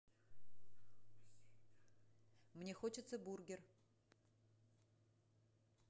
мне хочется бургер